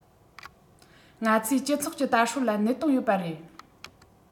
ང ཚོས སྤྱི ཚོགས ཀྱི དར སྲོལ ལ གནད དོན ཡོད པ རེད